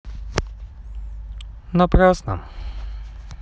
напрасно